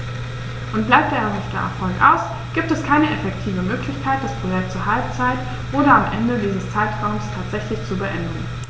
Und bleibt der erhoffte Erfolg aus, gibt es keine effektive Möglichkeit, das Projekt zur Halbzeit oder am Ende dieses Zeitraums tatsächlich zu beenden.